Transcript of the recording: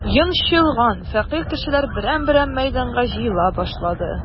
Йончылган, фәкыйрь кешеләр берәм-берәм мәйданга җыела башлады.